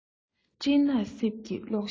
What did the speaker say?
སྤྲིན ནག གསེབ ཀྱི གློག ཞགས